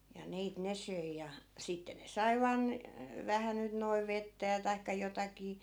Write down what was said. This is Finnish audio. ja niitä ne söi ja sitten ne sai vain vähän nyt noin vettä ja tai jotakin